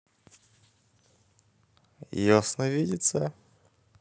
ясно видеться